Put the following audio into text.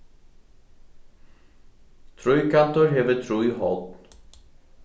tríkantur hevur trý horn